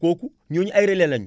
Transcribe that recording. kooku ñooñu ay relais la ñu